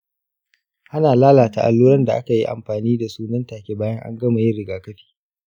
ana lalata alluran da aka yi amfani da su nan take bayan an gama yin rigakafi.